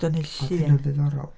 Dynnu llun... Oedd hynna'n ddiddorol.